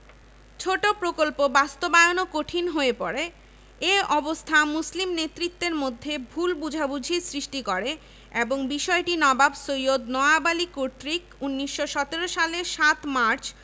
ছোট প্রকল্প বাস্তবায়নও কঠিন হয়ে পড়ে এ অবস্থা মুসলিম নেতৃত্বের মধ্যে ভুল বোঝাবুঝির সৃষ্টি করে এবং বিষয়টি নবাব সৈয়দ নওয়াব আলী কর্তৃক ১৯১৭ সালের ৭ মার্চ